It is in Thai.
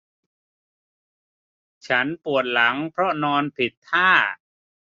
ฉันปวดหลังเพราะนอนผิดท่า